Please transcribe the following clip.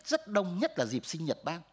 rất đông nhất là dịp sinh nhật bác